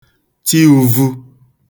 ti ūvū